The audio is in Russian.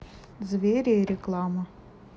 звери и реклама